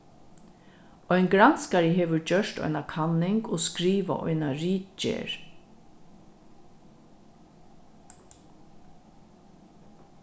ein granskari hevur gjørt eina kanning og skrivað eina ritgerð